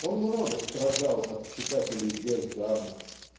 Он много страдал от читателей бездарных.